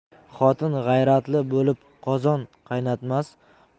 xotin g'ayratli bo'lib qozon qaynatmas